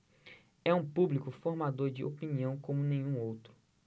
é um público formador de opinião como nenhum outro